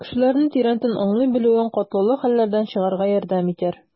Кешеләрне тирәнтен аңлый белүең катлаулы хәлләрдән чыгарга ярдәм итәр.